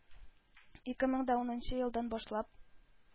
Ике мең дә унынчы елдан башлап